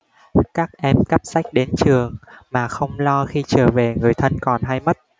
các em cắp sách đến trường mà không lo khi trở về người thân còn hay mất